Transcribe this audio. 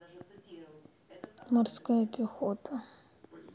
морская пехота